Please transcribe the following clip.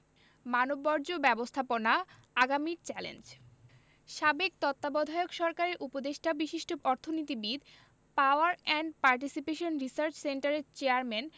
মানববর্জ্য ব্যবস্থাপনা আগামীর চ্যালেঞ্জ সাবেক তত্ত্বাবধায়ক সরকারের উপদেষ্টা বিশিষ্ট অর্থনীতিবিদ পাওয়ার অ্যান্ড পার্টিসিপেশন রিসার্চ সেন্টারের চেয়ারম্যান